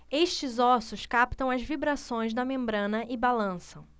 estes ossos captam as vibrações da membrana e balançam